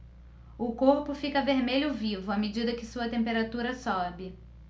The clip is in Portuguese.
o corpo fica vermelho vivo à medida que sua temperatura sobe